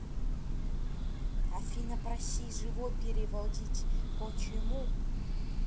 афина проси живой вереводить почему